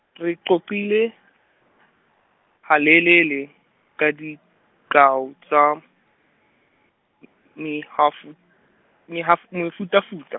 re qoqile halelele, ka di koo tsa m- mehafu-, mehaf-, mefutafuta.